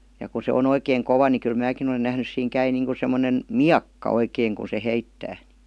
ja kun se on oikein kova niin kyllä minäkin olen nähnyt siinä käy niin kuin semmoinen miekka oikein kun se heittää